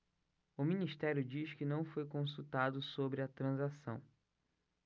o ministério diz que não foi consultado sobre a transação